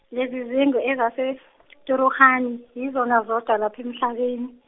lezizingwe ezaseTuruhani, yizona zodwa lapha emhlabeni.